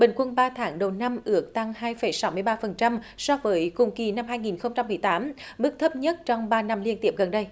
bình quân ba tháng đầu năm ước tăng hai phẩy sáu mươi ba phần trăm so với cùng kỳ năm hai nghìn không trăm mười tám mức thấp nhất trong ba năm liên tiếp gần đây